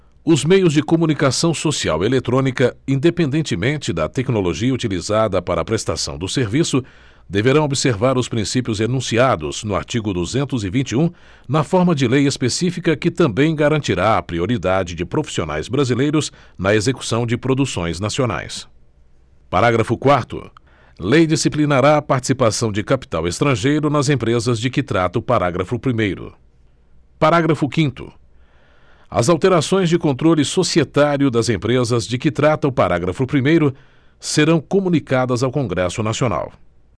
os meios de comunicação social eletrônica independentemente da tecnologia utilizada para a prestação do serviço deverão observar os princípios enunciados no artigo duzentos e vinte e um na forma de lei específica que também garantirá a prioridade de profissionais brasileiros na execução de produções nacionais parágrafo quarto lei disciplinará a participação de capital estrangeiro nas empresas de que trata o parágrafo primeiro parágrafo quinto as alterações de controle societário das empresas de que trata o parágrafo primeiro serão comunicadas ao congresso nacional